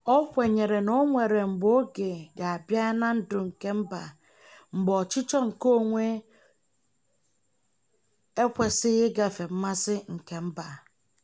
O kwenyere na e nwere "mgbe oge ga-abịa na ndụ nke mba mgbe ọchịchọ nke onwe onye ekwesịghị ịgafe mmasị kemba".